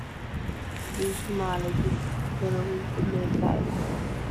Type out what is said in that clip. Bii jumala, ju berab bu juleekaay la.